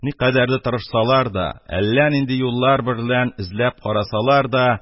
Никадәрле тырышсалар, әллә нинди юллар берлән эзләп карасалар да,